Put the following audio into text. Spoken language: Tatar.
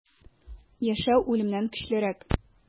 Яшәү үлемнән көчлерәк.